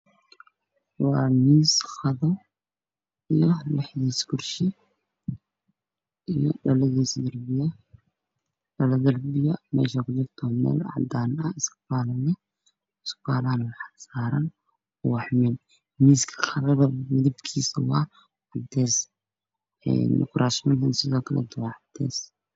Waa miis qado iyo lixdiisa kursi miiska midab kiisu waa cadaan kuraasta midab koodu waa guduud